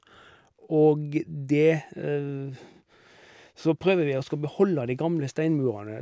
Og det så prøver vi og skal beholde de gamle steinmurene.